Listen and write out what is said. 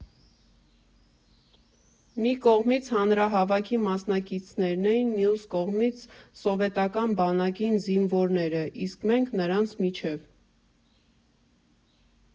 Մի կողմից հանրահավաքի մասնակիցներն էին, մյուս կողմից սովետական բանակի զինվորները, իսկ մենք նրանց միջև։